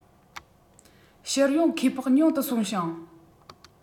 ཕྱིར ཡོང ཁེ སྤོགས ཉུང དུ སོང ཞིང